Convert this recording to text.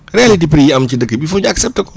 réalité prix yi am ci dëkk bi il faut que ñu accepté ko